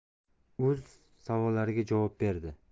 uz savollariga javob berdi